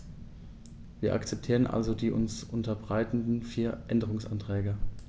Wir akzeptieren also die uns unterbreiteten vier Änderungsanträge.